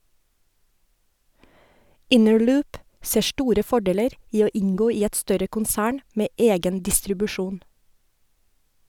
Innerloop ser store fordeler i å inngå i et større konsern med egen distribusjon.